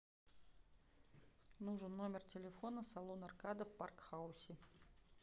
нужен номер телефона салон аркада в парк хаусе